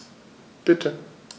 Bitte.